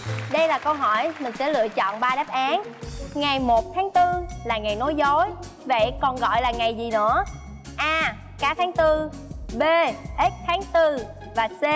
đây là câu hỏi mình sẽ lựa chọn ba đáp án ngày một tháng tư là ngày nói dối vậy còn gọi là ngày gì nữa a cá tháng tư bê ếch tháng tư và xê